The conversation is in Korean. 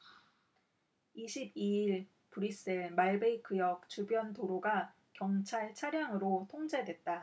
이십 이 일 브뤼셀 말베이크역 주변 도로가 경찰 차량으로 통제됐다